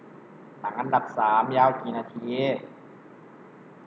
หนังอันดับสามยาวกี่นาที